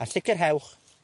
A sicirhewch